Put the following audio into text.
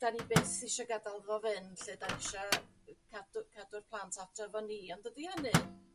'dan ni byth isio gadal iddo fynd lly 'dan isia cadw cadw'r plant at efo ni ond dydi hynny